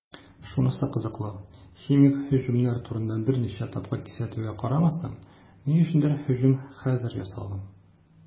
Шунысы кызыклы, химик һөҗүмнәр турында берничә тапкыр кисәтүгә карамастан, ни өчендер һөҗүм хәзер ясалган.